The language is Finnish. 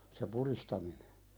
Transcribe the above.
se pudistaminen